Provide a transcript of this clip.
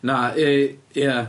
Na, yy, ia.